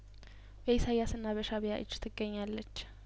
በኢሳይያስና በሻእቢያ እጅ ትገኛለች